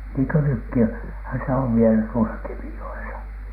niin kuin - nytkinhän se on vielä tuossa Kemijoessa